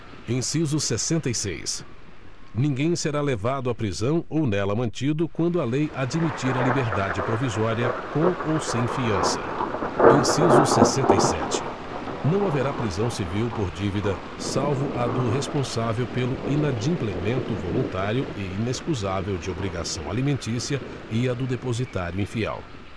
inciso sessenta e seis ninguém será levado à prisão ou nela mantido quando a lei admitir a liberdade provisória com ou sem fiança inciso sessenta e sete não haverá prisão civil por dívida salvo a do responsável pelo inadimplemento voluntário e inescusável de obrigação alimentícia e a do depositário infiel